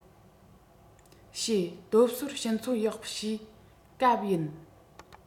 བཤད རྡོ སོལ ཕྱིར ཚོང ཡག ཤོས སྐབས ཡིན